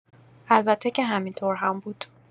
البته که همینطور هم بود!